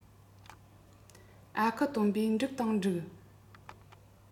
ཨ ཁུ སྟོན པས འགྲིག དང འགྲིག